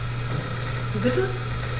Wie bitte?